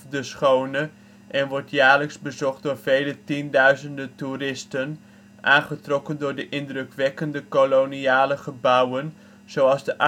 de schone ' en wordt jaarlijks bezocht door vele tienduizenden toeristen, aangetrokken door de indrukwekkende koloniale gebouwen, zoals de